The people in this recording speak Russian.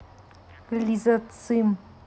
лизоцим